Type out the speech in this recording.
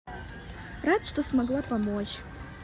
рада что смогла помочь